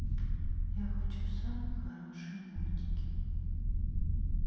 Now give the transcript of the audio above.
я хочу самый хороший мультики